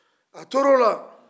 a tora o la